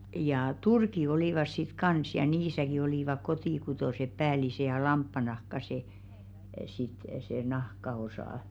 jaa turkki oli sitten kanssa ja niissäkin olivat kotikutoiset päälliset ja lampaannahka se sitten se nahkaosa